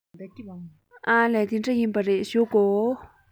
ཨ ལས དེ འདྲ ཡིན པ རེད བཞུགས དགོ